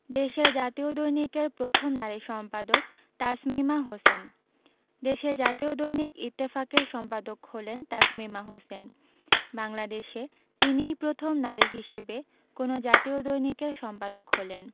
দেশের জাতীয় দৈনিকের প্রথম নারী সম্পাদক তাসমিমা হোসেন দেশের জাতীয় দৈনিক ইত্তেফাকের সম্পাদক হলেন তাসমিমা হোসেন বাংলাদেশে তিনিই প্রথম নারী হিসেবে কোনো জাতীয় দৈনিকের সম্পাদক হলেন